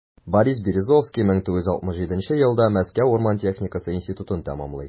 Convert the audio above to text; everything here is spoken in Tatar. Борис Березовский 1967 елда Мәскәү урман техникасы институтын тәмамлый.